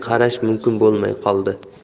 qarash mumkin bo'lmay qoldi